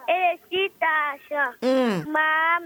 Ee'tan sh maa